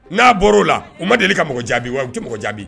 N'a bɔra o la u ma deli ka mɔgɔ jaabi wa u tɛ mɔgɔ jaabi.